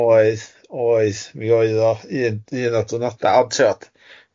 Oedd, oedd, mi oedd o un un o'r diwrnodau, ond timod.